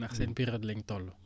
ndax seen période lañ toll